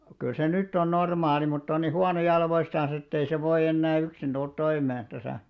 kyllä se nyt on normaali mutta on niin huono jaloistansa että ei se voi enää yksin tulla toimeen tässä